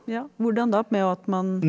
ja hvordan da, med og at man?